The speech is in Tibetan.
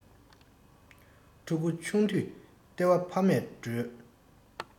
ཕྲུ གུ ཆུང དུས ལྟེ བ ཕ མས སྒྲོལ